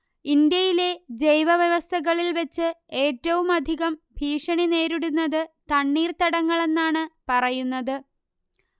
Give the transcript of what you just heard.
ഇന്ത്യയിലെ ജൈവവ്യവസ്ഥകളിൽ വെച്ച് ഏറ്റവുമധികം ഭീഷണിനേരിടുന്നത് തണ്ണീർതടങ്ങളാണെന്നാണ് പറയുന്നത്